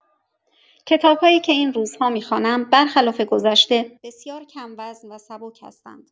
کتاب‌هایی که این روزها می‌خوانم، برخلاف گذشته، بسیار کم‌وزن و سبک هستند.